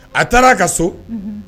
A taara' a ka so